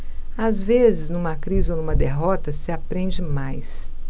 às vezes numa crise ou numa derrota se aprende mais